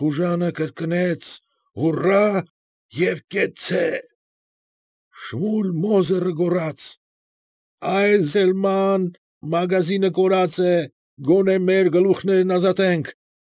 Խուժանը կրկնեց «հուռա» և «կեցցե»… Շմուլ Մոզերը գոռաց. ֊ Այզելման, մագազինը կորած է, գոնե մեր գլուխներն ազատենք։